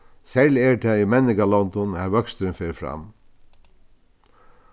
serliga er tað í menningarlondum har vøksturin fer fram